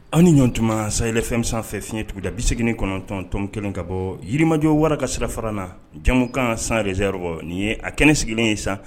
Aw ni ɲantumaa, sahel FM sanfɛ fiyɛn tuguda 89.1 ka bɔ yirimajɔ wara ka sira fara la, jɛɛmukan sans reserve ni ya a kɛnɛ sigilen sa